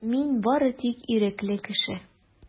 Мин бары тик ирекле кеше.